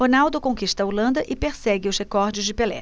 ronaldo conquista a holanda e persegue os recordes de pelé